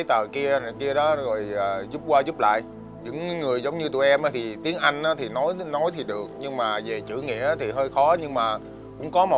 tờ kia này kia đó rồi giúp qua giúp lại những người giống như tụi em thì tiếng anh thì nói thì nói thì được nhưng mà về chữ nghĩa thì hơi khó nhưng mà cũng có một